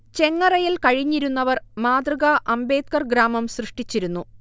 ചെങ്ങറയിൽ കഴിഞ്ഞിരുന്നവർ മാതൃകാ അംബേദ്കർ ഗ്രാമം സൃഷ്ടിച്ചിരുന്നു